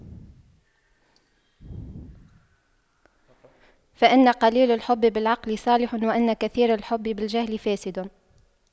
فإن قليل الحب بالعقل صالح وإن كثير الحب بالجهل فاسد